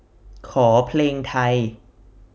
ขอเพลงไทย